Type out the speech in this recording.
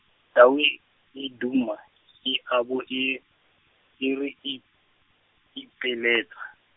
tau e, e duma, e a bo e, e re, i- ipiletsa.